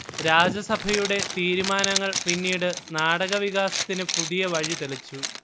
രാജസഭയുടെ തീരുമാനങ്ങൾ പിന്നീട് നാടകവികാസത്തിന് പുതിയ വഴി തെളിച്ചു